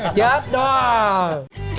chết đó